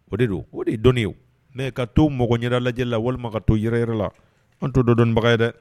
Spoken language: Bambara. O de don o de ye dɔnnii ye mɛ ka to mɔgɔ yɛrɛ lajɛ la walima ka to yɛrɛ yɛrɛ la an to dondɔnbaga ye dɛ